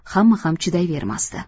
ham chidayvermasdi